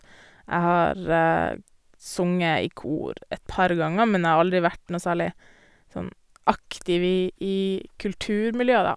Jeg har sunget i kor et par ganger, men jeg har aldri vært noe særlig sånn aktiv i i kulturmiljøet, da.